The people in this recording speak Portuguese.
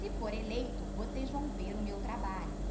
se for eleito vocês vão ver o meu trabalho